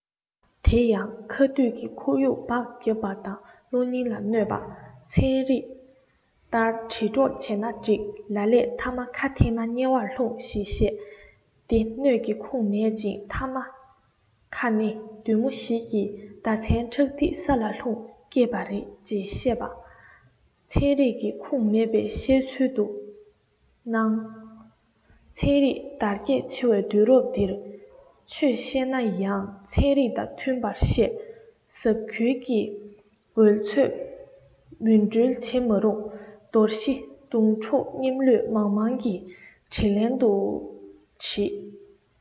དེ ཡང ཁ དུད ཀྱིས འཁོར ཡུག སྦགས རྒྱབ པ དང གློ སྙིང ལ གནོད པ ཚན རིག ལྟར དྲིལ སྒྲོགས བྱས ན འགྲིག ལ ལས ཐ མ ཁ འཐེན ན དམྱལ བར ལྟུང ཞེས བཤད སྡེ སྣོད ཀྱི ཁུངས མེད ཅིང ཐ མ ཁ ནི བདུད མོ ཞིག གི ཟླ མཚན ཁྲག ཐིག ས ལ ལྷུང སྐྱེས པ རེད ཅེས བཤད པ ཚན རིག གི ཁུངས མེད པའི བཤད ཚུལ དུ སྣང ཚན རིག དར རྒྱས ཆེ བའི དུས རབས འདིར ཆོས བཤད ན ཡང ཚན རིག དང མཐུན པར བཤད ཟབ ཁུལ གྱིས འོལ ཚོད མུན སྤྲུལ བྱེད མི རུང དོར ཞི གདོང དྲུག སྙེམས བློས མང མང གིས དྲིས ལན དུ བྲིས